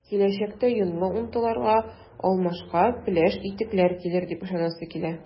Киләчәктә “йонлы” унтыларга алмашка “пеләш” итекләр килер дип ышанасы килә.